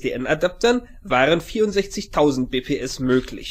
ISDN-Adaptern waren 64.000 bps möglich